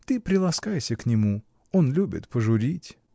Ты приласкайся к нему: он любит пожурить.